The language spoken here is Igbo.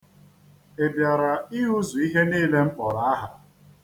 Ị bịara ịhụzu ihe niile m mkpọrọ aha?